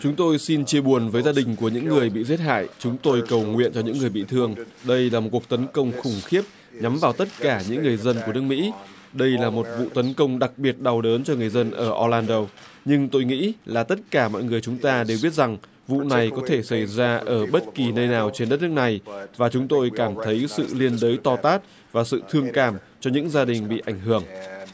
chúng tôi xin chia buồn với gia đình của những người bị giết hại chúng tôi cầu nguyện cho những người bị thương đây là một cuộc tấn công khủng khiếp nhắm vào tất cả những người dân của nước mỹ đây là một vụ tấn công đặc biệt đau đớn cho người dân ở o lan đâu nhưng tôi nghĩ là tất cả mọi người chúng ta đều biết rằng vụ này có thể xảy ra ở bất kỳ nơi nào trên đất nước này và chúng tôi cảm thấy sự liên đới to tát và sự thương cảm cho những gia đình bị ảnh hưởng